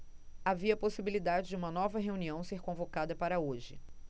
havia possibilidade de uma nova reunião ser convocada para hoje